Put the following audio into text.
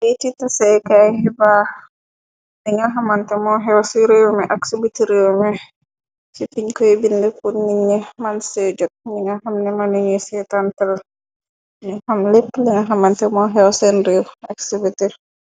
Kayiti taseekay xibaar, li nga xamante moo xew ci réew mi ak ci biti réew mi, ci fiñ koy bind pur nit ni man see jot, ñi nga xamni ma nuñuy seetantel ni xam lépp linga xamante moo xew seen réew ak ci biti.